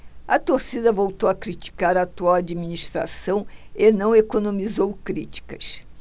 a torcida voltou a criticar a atual administração e não economizou críticas